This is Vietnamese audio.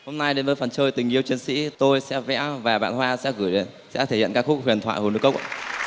hôm nay đến với phần chơi tình yêu chiến sĩ tôi sẽ vẽ và bạn hoa sẽ gửi sẽ thể hiện ca khúc huyền thoại hồ núi cốc